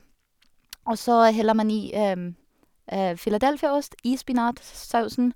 Og så heller man i Philadelphia-ost i spinatsausen.